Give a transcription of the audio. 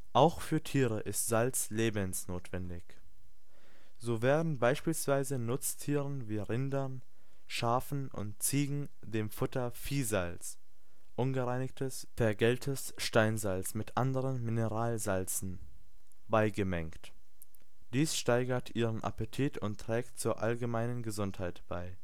Auch für Tiere ist Salz lebensnotwendig. So werden beispielsweise Nutztieren wie Rindern, Schafen und Ziegen dem Futter Viehsalz (ungereinigtes, vergälltes Steinsalz mit anderen Mineralsalzen) beigemengt. Dies steigert ihren Appetit und trägt zur allgemeinen Gesundheit bei